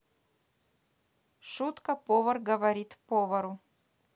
шутка повар говорит повару